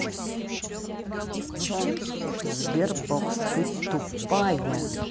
sberbox ты тупая